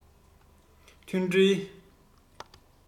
མཐུན སྒྲིལ